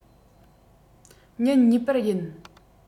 ཉིན གཉིས པར ཡིན